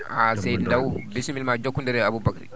an seydi Ndaw bisimilla maa jokkonndir e Aboubacry